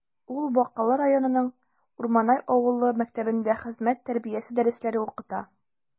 Ул Бакалы районының Урманай авылы мәктәбендә хезмәт тәрбиясе дәресләре укыта.